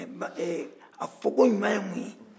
a fɔko ɲuman ye mun ye